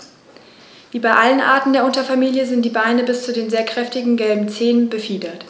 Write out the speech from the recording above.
Wie bei allen Arten der Unterfamilie sind die Beine bis zu den sehr kräftigen gelben Zehen befiedert.